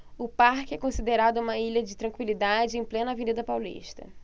o parque é considerado uma ilha de tranquilidade em plena avenida paulista